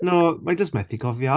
No mae jyst methu cofio.